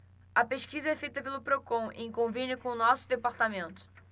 a pesquisa é feita pelo procon em convênio com o diese